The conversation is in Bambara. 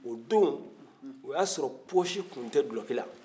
o don o y'a sɔrɔ pɔsi tun te dulɔki la